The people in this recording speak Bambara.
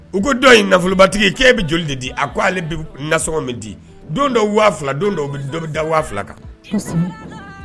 U ko dɔ nafolobatigi ke bɛ joli de di a ko ale bɛ nasɔn bɛ di don dɔw waa fila don dɔ dɔ bɛ da waa fila kan